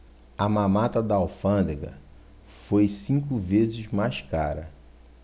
a mamata da alfândega foi cinco vezes mais cara